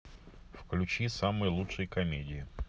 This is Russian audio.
включи самые лучшие комедии